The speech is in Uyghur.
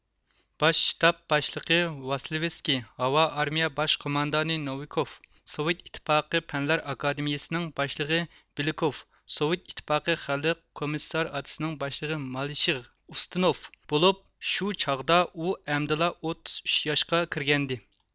باش شتاب باشلىقى ۋاسلېيۋىسكىي ھاۋا ئارمىيە باش قوماندانى نوۋىكوف سوۋېت ئىتتىپاقى پەنلەر ئاكادېمىيىسىنىڭ باشلىقى بىلكوف سوۋېت ئىتتىپاقى خەلق كومسسارىئاتسنىڭ باشلىقى مالىشېغ ئۇستنوف بولۇپ شۇ چاغدا ئۇ ئەمدىلا ئوتتۇز ئۈچ ياشقا كىرگەنىدى